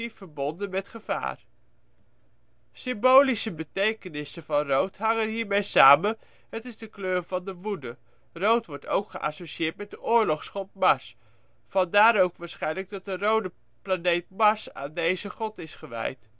verbonden met gevaar. Symbolische betekenissen van rood hangen hiermee samen, het is de kleur van de woede. Rood wordt ook geassocieerd met de oorlogsgod Mars, vandaar ook waarschijnlijk dat de rode planeet Mars juist aan deze god is gewijd